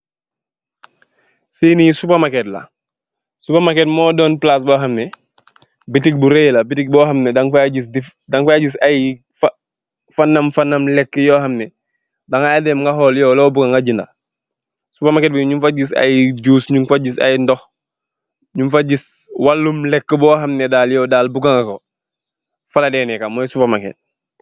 Fii nii supamaket la. Supa maket moo don palaas boo xam ne, bitic bu rëy la, dañg faay gis fanam, fanë leekë Yoon xam ne, da ngaay dem nga xool yaw loo buga gëndë. Supamaket bi ñuñg fa gis ay juus, ñuñg fa gis ay ndox, ñuñg fa gis waalum leekë boo xam ne daal yaw buga nga ko, fa la Dee neek, mooy supamaket.